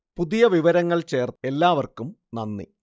പുതിയ വിവരങ്ങൾ ചേർത്ത എല്ലാവർക്കും നന്ദി